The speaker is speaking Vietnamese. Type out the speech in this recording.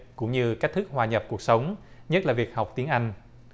cũng như cách thức hòa nhập cuộc sống nhất là việc học tiếng anh